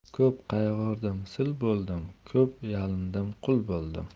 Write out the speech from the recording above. ko'p qayg'urdim sil boidim ko'p yalindim qui boidim